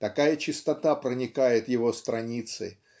Такая чистота проникает его страницы